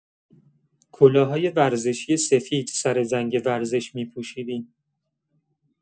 کلاه‌های ورزشی سفید سر زنگ ورزش می‌پوشیدیم.